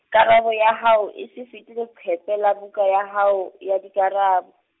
karabo ya hao e se fete leqephe la buka ya hao, ya dikarabo.